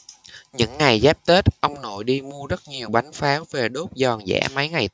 những ngày giáp tết ông nội đi mua rất nhiều bánh pháo về đốt giòn giã mấy ngày